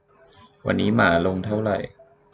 วันนี้หมาลงเท่าไหร่